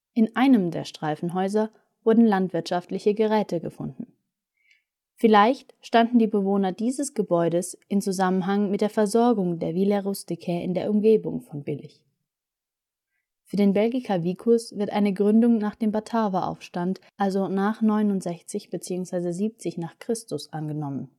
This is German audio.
In einem der Streifenhäuser wurden landwirtschaftliche Geräte aufgefunden. Vielleicht standen die Bewohner dieses Gebäudes in Zusammenhang mit der Versorgung der villae rusticae in der Umgebung von Billig. Für den Belgica vicus wird eine Gründung nach dem Bataveraufstand, also nach 69/70 n. Chr. angenommen